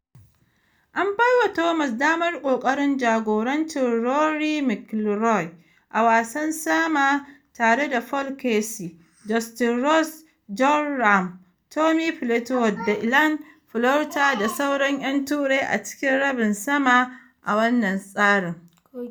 An baiwa Thomas damar kokarin jagorancin Rory McIlroy a wasan sama tare da Paul Casey, Justin Rose, Jon Rahm, Tommy Fleetwood da Ian Poulter da sauran 'yan Turai a cikin rabin sama a wannan tsarin.